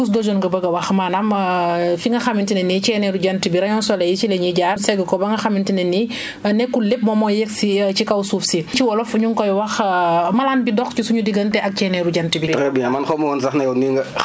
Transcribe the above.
maanaam su ma la déggee wàllu couche d' ozone nga bëgg a wax maanaam fi nga xamante ne nii ceeneeru jant bi rayons soleil yi ci la ñuy jaar segg ko ba nga xamante ne nii nekkul lépp moom mooy yegg si ci kaw suuf si ci wolof ñu ngi koy wax malaan bi dox ci suñu diggante ak ceneeru jant bi